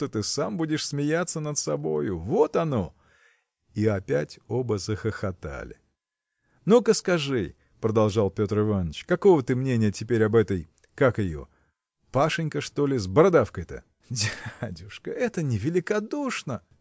что ты сам будешь смеяться над собою – вот оно. И опять оба захохотали. – Ну-ка скажи – продолжал Петр Иваныч – какого ты мнения теперь об этой. как ее?. Пашенька, что ли, с бородавкой-то? – Дядюшка, это невеликодушно!